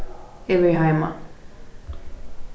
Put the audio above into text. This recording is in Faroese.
eg verði heima